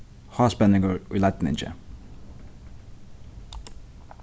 háspenningur í leidningi